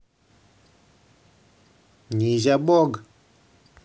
низя бог